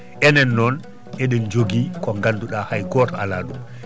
enen noon eɗen jogi ko ngannduɗaa hay goto ala ɗum